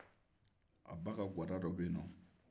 a ba ka gwada dɔ bɛ yennɔ